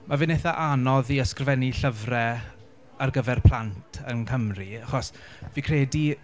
Ma' fe'n eitha anodd i ysgrifennu llyfrau ar gyfer plant yng Nghymru achos fi'n credu...